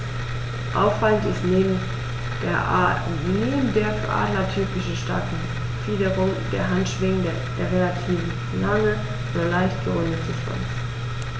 Auffallend ist neben der für Adler typischen starken Fingerung der Handschwingen der relativ lange, nur leicht gerundete Schwanz.